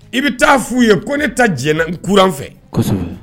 I bɛ taa f'u ye ko ne ta jɛnna kura n fɛ.